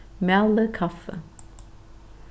malið kaffi